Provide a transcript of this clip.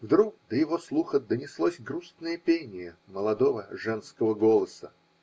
вдруг до его слуха донеслось грустное пение молодого женского голоса.